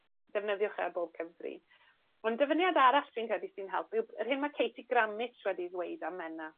defnyddiwch e ar bob cyfri. Ond dyfyniad arall dwi'n credu sy'n helpu yw yr hyn ma' Katey Gramitsh wedi dweud am Menna,